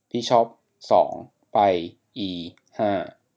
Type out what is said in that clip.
บิชอปสองไปอีห้า